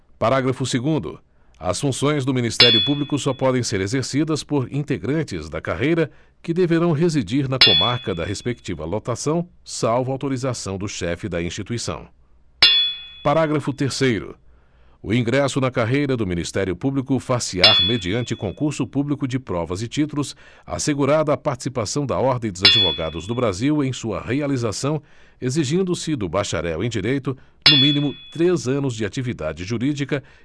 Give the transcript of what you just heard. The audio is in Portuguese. parágrafo segundo as funções do ministério público só podem ser exercidas por integrantes da carreira que deverão residir na comarca da respectiva lotação salvo autorização do chefe da instituição parágrafo terceiro o ingresso na carreira do ministério público far se á mediante concurso público de provas e títulos assegurada a participação da ordem dos advogados do brasil em sua realização exigindo se do bacharel em direito no mínimo três anos de atividade jurídica